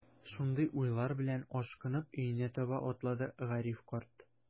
Шундый уйлар белән, ашкынып өенә таба атлады Гариф карт.